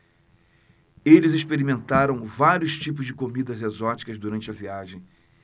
eles experimentaram vários tipos de comidas exóticas durante a viagem